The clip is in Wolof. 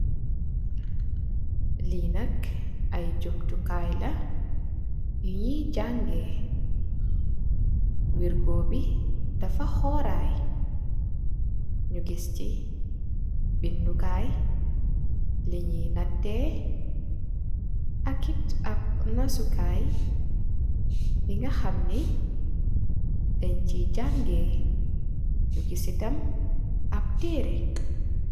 Lii nak ay jumtukaay la liñuy jàngee wirgoo bi dafa xooraay ñu gis ci bindukaay liñuy nattee akit ab nasukaay bi nga xam ni dañ ci jàngee ñu gis citam ab teere.